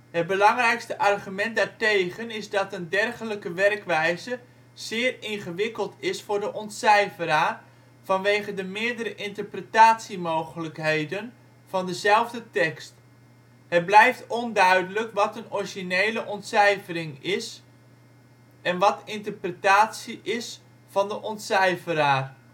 Het belangrijkste argument daartegen is dat een dergelijke werkwijze zeer ingewikkeld is voor de ontcijferaar, vanwege de meerdere interpretatiemogelijkheden van dezelfde tekst. Het blijft onduidelijk wat een originele ontcijfering is en wat interpretatie is van de ontcijferaar